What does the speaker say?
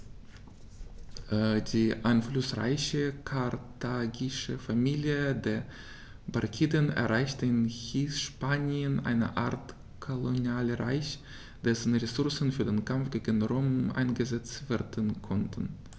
Die einflussreiche karthagische Familie der Barkiden errichtete in Hispanien eine Art Kolonialreich, dessen Ressourcen für den Kampf gegen Rom eingesetzt werden konnten.